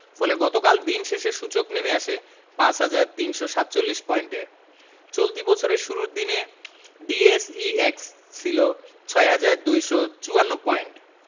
ফলে গতকাল দিন শেষে সূচক নেমে আসে ৫ হাজার ৩৪৭ পয়েন্টে চলতি বছরের শুরুর দিনে ডিএসইএক্স ছিল ৬ হাজার ২৫৪ পয়েন্ট